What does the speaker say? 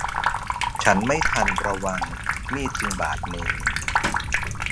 ฉันไม่ทันระวังมีดจึงบาดมือ